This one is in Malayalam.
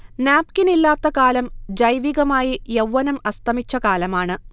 നാപ്കിനില്ലാത്ത കാലം ജൈവികമായി യൗവ്വനം അസ്തമിച്ച കാലമാണ്